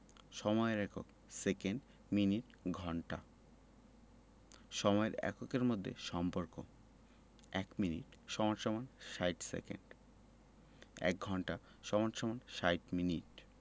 সময়ের এককঃ second minute ঘন্টা সময়ের এককের মধ্যে সম্পর্কঃ ১ মিনিট = ৬০ সেকেন্ড ১ঘন্টা = ৬০ মিনিট